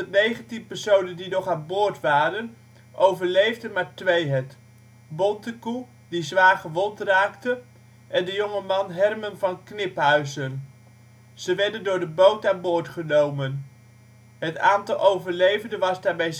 de 119 personen die nog aan boord waren overleefden maar twee het: Bontekoe, die zwaar gewond raakte, en de jongeman Hermen van Kniphuysen. Ze werden door de boot aan boord genomen. Het aantal overlevenden was daarmee